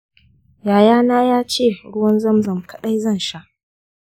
yaya na yace ruwan zam zam kaɗai zan sha